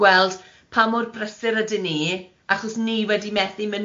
gweld pa mor brysur ydyn ni achos ni wedi methu mynd nôl